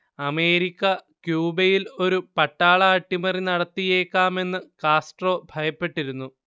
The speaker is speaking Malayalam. അമേരിക്ക ക്യൂബയിൽ ഒരു പട്ടാള അട്ടിമറി നടത്തിയേക്കാമെന്ന് കാസ്ട്രോ ഭയപ്പെട്ടിരുന്നു